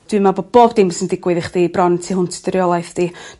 Dwi me'wl bo' bob dim sy'n digwydd i chdi bron tu hwnt dy reolaeth di.